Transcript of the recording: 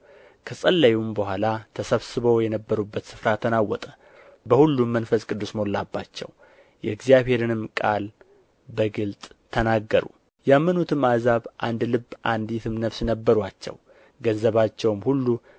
ከጸለዩም በኋላ ተሰብስበው የነበሩበት ስፍራ ተናወጠ በሁሉም መንፈስ ቅዱስ ሞላባቸው የእግዚአብሔርንም ቃል በግልጥ ተናገሩ ያመኑትም ሕዝብ አንድ ልብ አንዲትም ነፍስ ነበሩአቸው ገንዘባቸውም ሁሉ